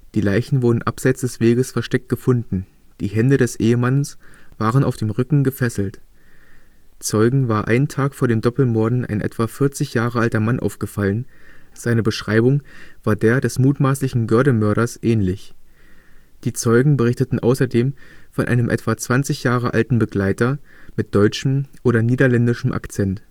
Die Leichen wurden abseits des Weges versteckt gefunden, die Hände des Ehemannes waren auf dem Rücken gefesselt. Zeugen war einen Tag vor den Doppelmorden ein etwa 40 Jahre alter Mann aufgefallen, seine Beschreibung war der des mutmaßlichen Göhrde-Mörders ähnlich. Die Zeugen berichteten außerdem von einem etwa 20 Jahre alten Begleiter mit deutschem oder niederländischem Akzent